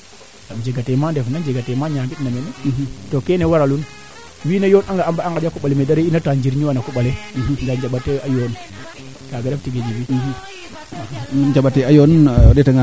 o reta nga bo ga'ee o qole xay faible a parce que engrais jamano faaga reend ee meen ndaa a paake a njega neede mbi toog na boo a ñoowa xa qola xe den ndeng kee o ret anga bo ga'e o qol le xay faible a ko xaƴoo gun ren fene fañno xoox